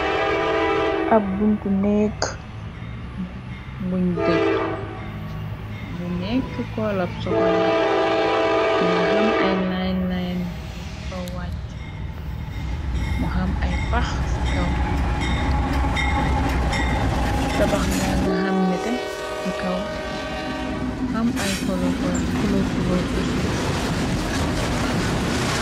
Ab bunti neeg bu teeg bu nek koolab sokola monga xam ay line line yu joge ci kaw wàcti mu xam ay pax ci kaw tabax ga nga xam nete ci kaw xam ay kuloor kuloor ci suuf.